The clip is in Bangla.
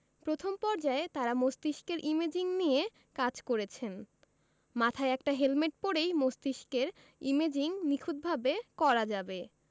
প্রথম পর্যায়ে তারা মস্তিষ্কের ইমেজিং নিয়ে কাজ করেছেন মাথায় একটা হেলমেট পরেই মস্তিষ্কের ইমেজিং নিখুঁতভাবে করা যাবে